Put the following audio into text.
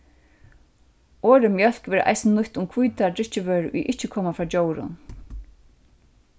orðið mjólk verður eisini nýtt um hvítar drykkjuvørur ið ikki koma frá djórum